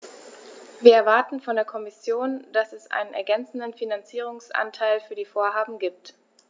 Wir erwarten von der Kommission, dass es einen ergänzenden Finanzierungsanteil für die Vorhaben gibt.